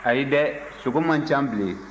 ayi dɛ sogo man ca bilen